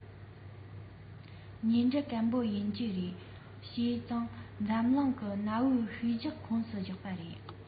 དངོས འབྲེལ དཀོན པོ ཡིན གྱི རེད བྱས ཙང འཛམ གླིང གི གནའ བོའི ཤུལ བཞག ཁོངས སུ བཞག པ རེད